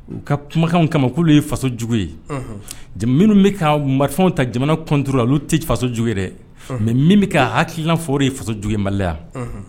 U ka kumakanw kama k'olu ye faso jugu ye minnu bɛ ka marifafanw ta jamana contre la olu tɛ faso jugu dɛ mais minnu bɛ hakilina fɔ o de ye faso jugu ye maliya.